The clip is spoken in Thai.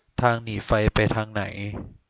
ทางหนีไฟไปทางไหน